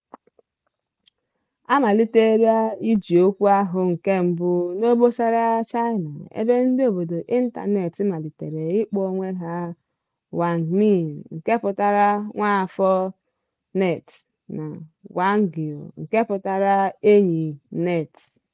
A malitere iji okwu ahụ nke mbụ n'obosaraala China, ebe ndị obodo ịntanetị malitere ịkpọ onwe ha wǎngmín (网民, nke pụtara "nwaafọ-net") na wǎngyǒu (网友, nke pụtara "enyi-net").